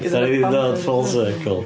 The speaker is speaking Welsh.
Dan ni 'di dod full circle.